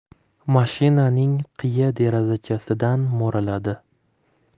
mashinaning qiya derazachasidan mo'raladi